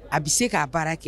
A bɛ se k'a baara kɛ